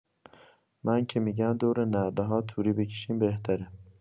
من که می‌گم دور نرده‌ها توری بکشیم بهتره.